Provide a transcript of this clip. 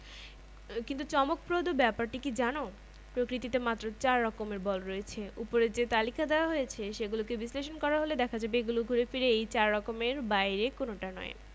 কাজেই আমরা বলকে স্পর্শ এবং অস্পর্শ দুই ধরনের বলে ভাগ করতে পারি কিন্তু তোমরা নিশ্চয়ই বুঝতে পারছ আমরা যেখানে স্পর্শ করছি বলে ধারণা করছি